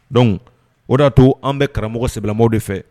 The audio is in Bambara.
Don o daa to an bɛ karamɔgɔ sɛbɛnmɔgɔw de fɛ